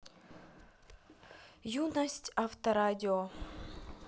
юность авторадио